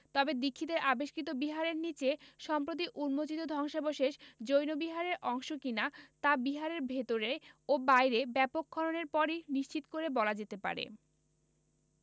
তবে দীক্ষিতের আবিষ্কৃত বিহারের নিচে সম্প্রতি উন্মোচিত ধ্বংসাবশেষ জৈন বিহারের অংশ কিনা তা বিহারের ভেতরে ও বাইরে ব্যাপক খননের পরই নিশ্চিত করে বলা যেতে পারে